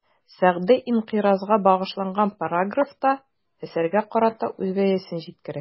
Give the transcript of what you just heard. Сәгъди «инкыйраз»га багышланган параграфта, әсәргә карата үз бәясен җиткерә.